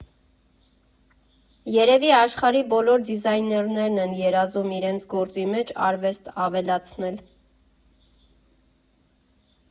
Երևի աշխարհի բոլոր դիզայներներն են երազում իրենց գործի մեջ արվեստ ավելացնել.